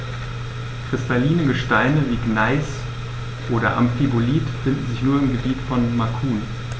Kristalline Gesteine wie Gneis oder Amphibolit finden sich nur im Gebiet von Macun.